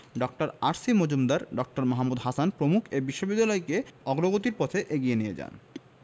ড. R C Majumdar Dr. Mahmud Hasan প্রমুখ এ বিশ্ববিদ্যালয়কে অগ্রগতির পথে এগিয়ে নিয়ে যান